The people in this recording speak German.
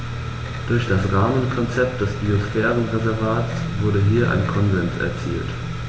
Durch das Rahmenkonzept des Biosphärenreservates wurde hier ein Konsens erzielt.